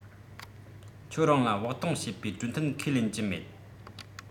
ཁྱེད རང ལ བོགས གཏོང བྱེད པའི གྲོས མཐུན ཁས ལེན གྱི མེད